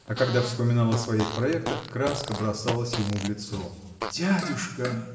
а когда вспоминал о своих проектах, краска бросалась ему в лицо. Дядюшка!